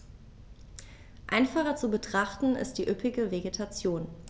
Einfacher zu betrachten ist die üppige Vegetation.